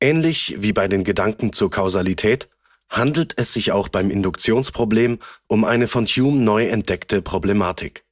Ähnlich wie bei den Gedanken zur Kausalität handelt es sich auch beim Induktionsproblem um eine von Hume neu entdeckte Problematik